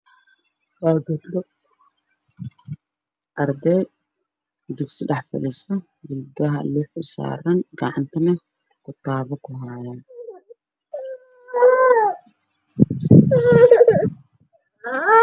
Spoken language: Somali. Waa gabdho atday dugsi dhex fadhiso jilbaha liix usaarangacantana kitaabo ku haya